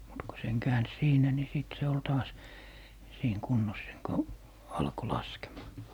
mutta kun sen käänsi siinä niin sitten se oli taas siinä kunnossa sen kun alkoi laskemaan